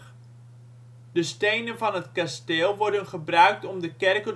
stenen van het kasteel worden gebruikt om de kerk